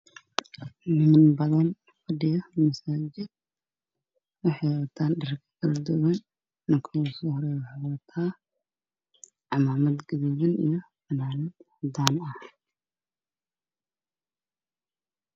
Halkaan waxaa ka muuqdo niman iskugu yimid meel u muuqato inay masaajid tahay